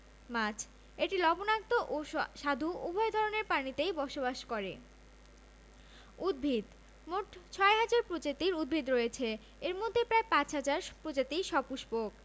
এটি লবণাক্ত ও স্বাদু উভয় ধরনের পানিতেই বসবাস করে উদ্ভিদঃ মোট প্রায় ৬ হাজার প্রজাতির উদ্ভিদ রয়েছে এর মধ্যে প্রায় ৫ হাজার প্রজাতি সপুষ্পক